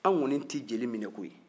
an kɔni tɛ jeli minɛ koyi